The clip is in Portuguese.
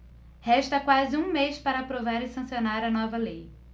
resta quase um mês para aprovar e sancionar a nova lei